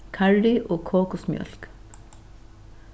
karry og kokusmjólk